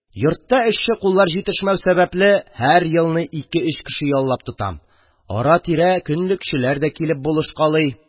Йортта эшче куллар җитешмәү сәбәпле, һәр елны ике-өч кеше яллап тотам, ара-тирә көнлекчеләр дә килеп булышкалый.